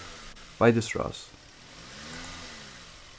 beitisrás